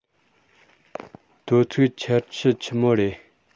དོ ཚིགས ཆར ཆུ ཆི མོ རེད